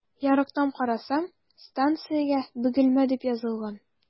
Ярыктан карасам, станциягә “Бөгелмә” дип язылган.